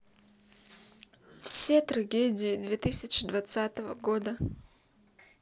все трагедии две тысячи двадцатого года